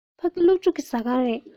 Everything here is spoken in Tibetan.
ཕ གི སློབ ཕྲུག གི ཟ ཁང རེད